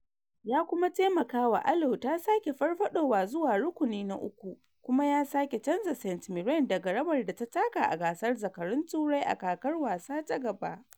Ya kuma taimakawa Alloa ta sake farfadowa zuwa rukuni na uku, kuma ya sake canza St Mirren daga rawar da ta taka a gasar zakarun Turai a kakar wasa ta gaba.